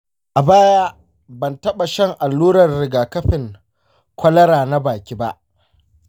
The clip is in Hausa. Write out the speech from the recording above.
a baya ban taba shan allurar rigakafin kwalera na baki ba.